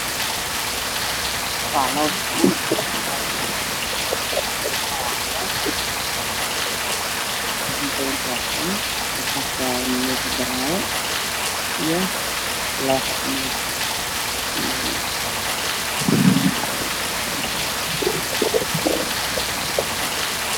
Waxaa ii muuqdo saxan waxa saaran moss buskud wuxuu saaran yahay miis caddaan dergiga waa caddaan